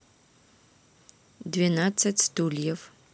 двенадцать стульев